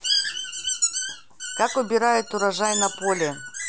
как убирают урожай на поле